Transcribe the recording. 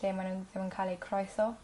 ...lle ma' nw'n ddim yn ca'l eu croeso.